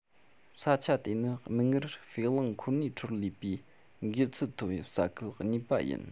ས ཆ དེ ནི མིག སྔར ཧྥེ གླིང ཁོ ནའི འཕྲོར ལུས པའི འགོས ཚད མཐོ བའི ས ཁུལ གཉིས པ ཡིན